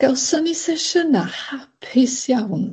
gawson ni sesiyna hapus iawn